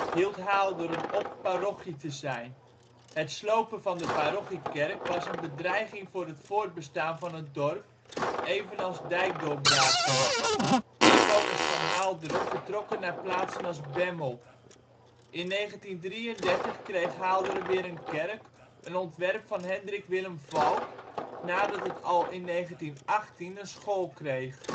hield Haalderen op parochie te zijn. Het slopen van de parochiekerk was een bedreiging voor het voortbestaan van het dorp, evenals dijkdoorbraken. Inwoners van Haalderen vertrokken naar plaatsen als Bemmel. In 1933 kreeg Haalderen weer een kerk, een ontwerp van Hendrik Willem Valk, nadat het al in 1918 een school kreeg